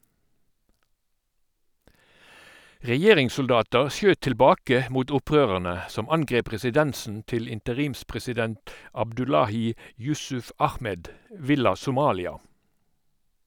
Regjeringssoldater skjøt tilbake mot opprørerne som angrep residensen til interimspresident Abdullahi Yusuf Ahmed, Villa Somalia.